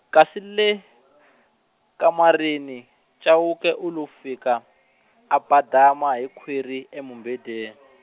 kasi le , kamarini, Chauke u lo fika , a badama hi khwiri emubedweni.